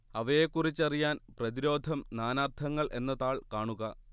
അവയെക്കുറിച്ചറിയാൻ പ്രതിരോധം നാനാർത്ഥങ്ങൾ എന്ന താൾ കാണുക